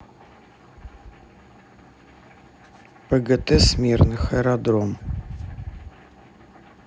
пгт смирных аэродром